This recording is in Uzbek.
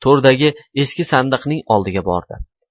to'rdagi eski sandiqning oldiga bordi